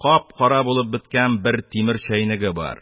Кап-кара булып беткән бер тимер чәйнеге бар.